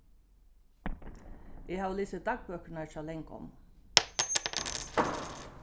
eg havi lisið dagbøkurnar hjá langommu